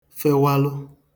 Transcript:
fewalụ